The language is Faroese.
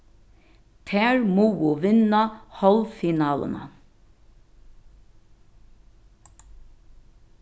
tær mugu vinna hálvfinaluna